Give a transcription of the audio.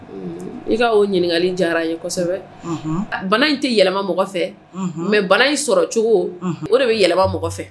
I k'o ɲininkali diyara ye kosɛbɛ, unhun, bana in tɛ yɛlɛma mɔgɔ fɛ, mais bana in sɔrɔ cogo, unhun, o de bɛ yɛlɛma mɔgɔ fɛ.